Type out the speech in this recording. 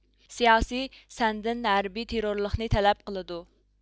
سىياسىي سەندىن ھەربىي تېررورلۇقنى تەلەپ قىلىدۇ